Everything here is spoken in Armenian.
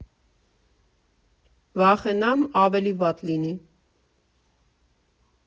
«Վախենամ՝ ավելի վատ լինի»։